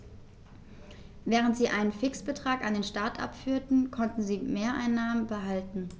Während sie einen Fixbetrag an den Staat abführten, konnten sie Mehreinnahmen behalten.